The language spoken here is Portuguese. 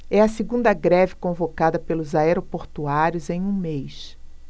é a segunda greve convocada pelos aeroportuários em um mês